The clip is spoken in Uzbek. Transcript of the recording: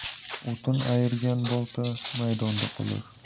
o'tin ayirgan bolta maydonda qolar